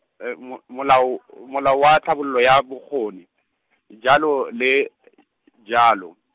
Mo- Molao, Molao wa Tlhabololo ya Bokgoni , jalo le , jalo.